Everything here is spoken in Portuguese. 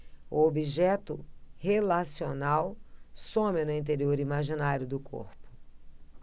o objeto relacional some no interior imaginário do corpo